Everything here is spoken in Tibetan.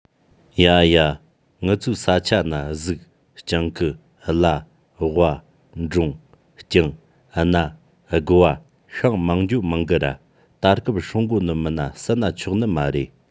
ཡ ཡ ངུ ཚོའི ས ཆ ན གཟིག སྦྱང ཀི གླ ཝ འབྲོང རྐྱང གནའ དགོ བ ཤྭ མང རྒྱུའོ མང གི ར ད སྐབས སྲུང དགོ ནོ མིན ན བསད ན ཆོག ནི མ རེད